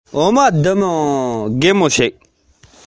ཁོ ཚོ དང འབྲེལ བ ཆེན པོ ཡོད པ འདྲ